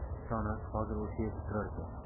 ota onasi hozir o'sha yerda turarkan